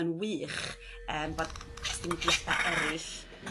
yn wych yym bod os 'di mudiadau er'ill